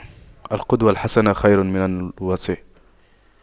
القدوة الحسنة خير من الوصية